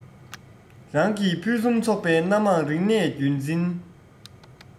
རང གི ཕུན སུམ ཚོགས པའི སྣ མང རིག གནས རྒྱུན འཛིན